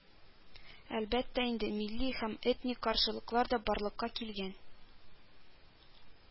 Әлбәттә инде милли һәм этник каршылыклар да барлыкка килгән